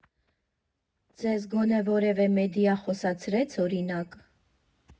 Ձեզ գոնե որևէ մեդիա խոսացրե՞ց օրինակ։